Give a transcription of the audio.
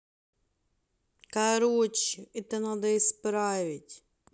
короче надо это исправить